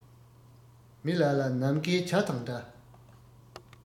མི ལ ལ ནམ མཁའི བྱ དང འདྲ